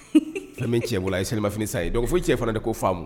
Fula cɛ wolo a ye selimaf sa a ye foyi cɛ fana de ko faama